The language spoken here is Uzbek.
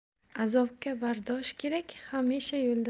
azobga bardosh kerak hamisha yo'ldosh kerak